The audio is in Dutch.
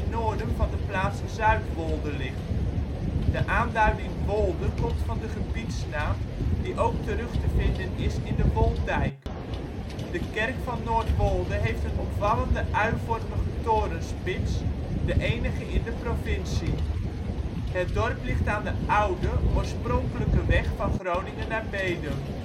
van de plaats Zuidwolde ligt. De aanduiding wolde komt van de gebiedsnaam, die ook terug te vinden is in de Wolddijk. De Kerk van Noordwolde heeft een opvallende uivormige torenspits (siepel op z 'n Gronings), de enige in de provincie. Het dorp ligt aan de oude, oorspronkelijke weg van Groningen naar Bedum